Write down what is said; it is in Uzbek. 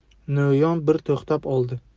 no'yon bir to'xtab oldi